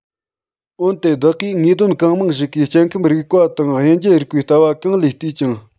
འོན ཏེ བདག གིས དངོས དོན གང མང ཞིག གིས སྐྱེ ཁམས རིག པ དང དབྱེ འབྱེད རིག པའི ལྟ བ གང ལས བལྟས ཀྱང